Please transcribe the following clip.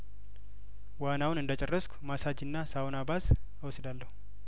ዋናውን እንደጨረስኩ ማሳጅና ሳውና ባዝ እወስዳለሁ